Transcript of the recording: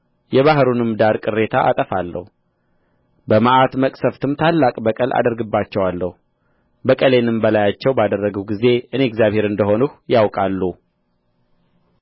የባሕሩንም ዳር ቅሬታ አጠፋለሁ በመዓት መቅሠፍትም ታላቅ በቀል አደርግባቸዋለሁ በቀሌንም በላያቸው ባደረግሁ ጊዜ እኔ እግዚአብሔር እንደ ሆንሁ ያውቃሉ